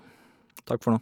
Takk for nå.